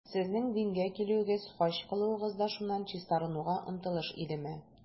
Сезнең дингә килүегез, хаҗ кылуыгыз да шуннан чистарынуга омтылыш идеме?